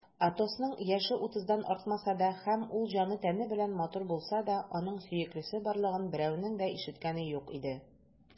Атосның яше утыздан артмаса да һәм ул җаны-тәне белән матур булса да, аның сөеклесе барлыгын берәүнең дә ишеткәне юк иде.